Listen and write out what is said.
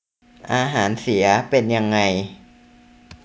อาหารเสียเป็นยังไง